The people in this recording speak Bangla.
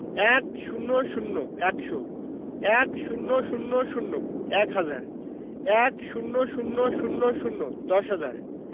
১০০ একশো ১০০০ এক হাজার ১০০০০ দশ হাজার